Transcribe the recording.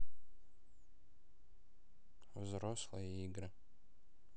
взрослые игры